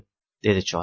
dedi chol